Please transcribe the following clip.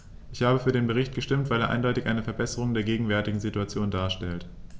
Ich habe für den Bericht gestimmt, weil er eindeutig eine Verbesserung der gegenwärtigen Situation darstellt.